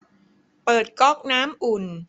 เปิดก๊อกน้ำอุ่น